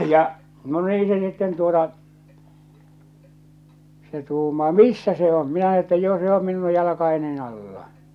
ja no niin se sitten tuota se tuumaa missä se on minä että jo se on minun jalkojeni alla